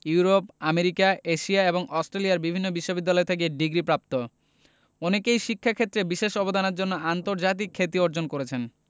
Europe America Asia এবং অস্ট্রেলিয়ার বিভিন্ন বিশ্ববিদ্যালয় থেকে ডিগ্রিপ্রাপ্ত অনেকেই শিক্ষাক্ষেত্রে বিশেষ অবদানের জন্য আন্তর্জাতিক খ্যাতি অর্জন করেছেন